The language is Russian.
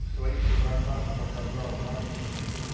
в своих строках показал Надсон